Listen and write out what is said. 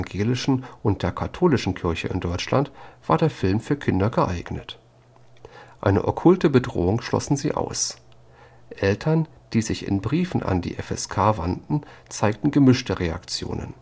evangelischen und der katholischen Kirche in Deutschland war der Film für Kinder geeignet. Eine okkulte Bedrohung schlossen sie aus. Eltern, die sich in Briefen an die FSK wandten, zeigten gemischte Reaktionen